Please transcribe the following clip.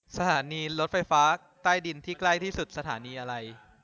สถานีรถไฟฟ้าใต้ดินที่ใกล้ที่สุดสถานีอะไร